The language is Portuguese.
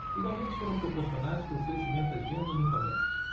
os aumentos foram proporcionados pelo crescimento das vendas no comércio